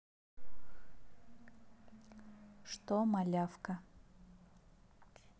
что малявка